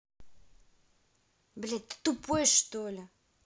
блядь ты тупой что ли